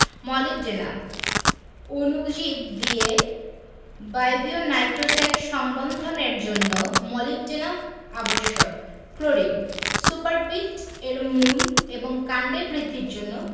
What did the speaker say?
molybdenum অণুজীব দিয়ে বায়বীয় নাইট্রোজেন সংবন্ধনের জন্য মোলিবডেনাম আবশ্যক ক্লোরিন সুপারবিট এর মূল এবং কাণ্ডের বৃদ্ধির জন্য